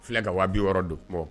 Filɛ ka waajibi yɔrɔ don